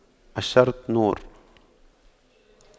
الشرط نور